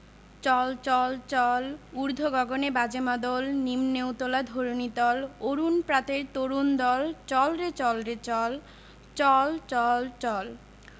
চল চল চল ঊর্ধ্ব গগনে বাজে মাদল নিম্নে উতলা ধরণি তল অরুণ প্রাতের তরুণ দল চল রে চল রে চল চল চল চল